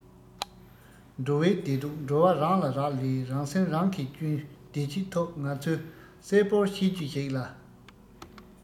འགྲོ བའི བདེ སྡུག འགྲོ བ རང ལ རག ལས རང སེམས རང གིས གཅུན བདེ སྐྱིད ཐོབ ང ཚོས གསལ བོར ཤེས རྒྱུ ཞིག ལ